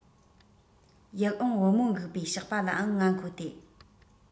ཡིད འོང བུ མོ འགུགས པའི ཞགས པ ལའང ང མཁོ སྟེ